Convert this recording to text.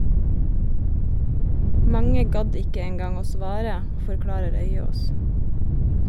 Mange gadd ikke engang å svare, forklarer Øyaas.